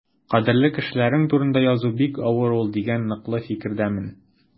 Кадерле кешеләрең турында язу бик авыр ул дигән ныклы фикердәмен.